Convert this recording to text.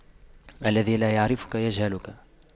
الذي لا يعرفك يجهلك